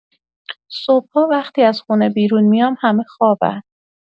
صبح‌ها وقتی از خونه بیرون میام، همه خوابن.